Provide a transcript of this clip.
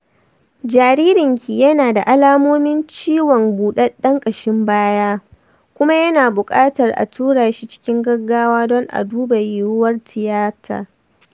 jaririnki yana da alamomin ciwon buɗaɗɗen kashin baya kuma yana buƙatar a tura shi cikin gaggawa don a duba yiwuwar tiyata.